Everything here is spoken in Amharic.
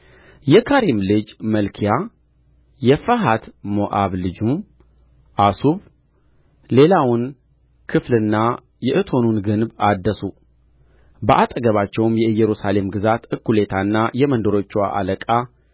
የካሪም ልጅ መልክያ የፈሐት ሞዓብ ልጅም አሱብ ሌላውን ክፍልና የእቶኑን ግንብ አደሱ በአጠገባቸውም የኢየሩሳሌም ግዛት እኵሌታና የመንደሮችዋ አለቃ